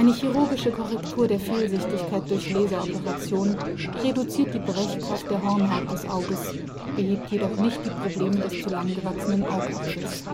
chirurgische Korrektur der Fehlsichtigkeit durch Laseroperation reduziert die Brechkraft der Hornhaut des Auges, behebt jedoch nicht die Probleme des zu lang gewachsenen Augapfels